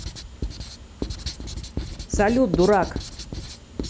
салют дурак